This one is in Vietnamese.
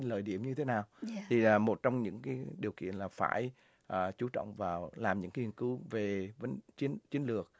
lợi điểm như thế nào thì là một trong những điều kiện là phải chú trọng vào làm những nghiên cứu về vấn chính chiến lược